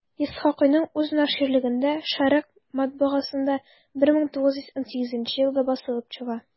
Исхакыйның үз наширлегендә «Шәрекъ» матбагасында 1918 елда басылып чыга.